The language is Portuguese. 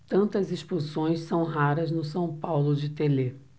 tantas expulsões são raras no são paulo de telê